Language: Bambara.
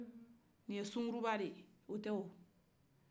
nin ye suguruba de ye o tɛ